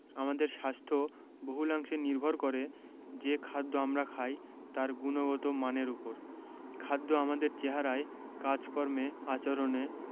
আমাদের স্বাস্থ্য বহুলাংশে নির্ভর করে যে খাদ্য আমরা খাই তার গুণগত মানের ওপর খাদ্য আমাদের চেহারায় কাজকর্মে আচরণে